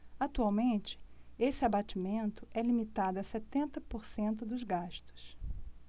atualmente esse abatimento é limitado a setenta por cento dos gastos